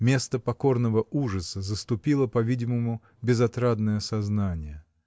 Место покорного ужаса заступило, по-видимому, безотрадное сознание.